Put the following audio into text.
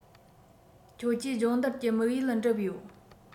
ཁྱོད ཀྱིས སྦྱོང བརྡར གྱི དམིགས ཡུལ འགྲུབ ཡོད